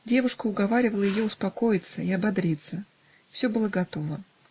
Девушка уговаривала ее успокоиться и ободриться. Все было готово.